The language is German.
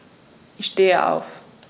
Ich stehe auf.